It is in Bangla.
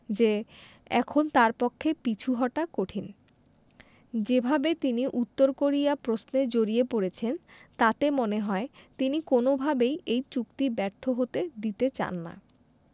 যে এখন তাঁর পক্ষে পিছু হটা কঠিন যেভাবে তিনি উত্তর কোরিয়া প্রশ্নে জড়িয়ে পড়েছেন তাতে মনে হয় তিনি কোনোভাবেই এই চুক্তি ব্যর্থ হতে দিতে চান না